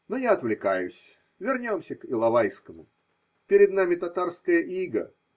Но я отвлекаюсь: вернемся к Иловайскому. Перед нами татарское иго.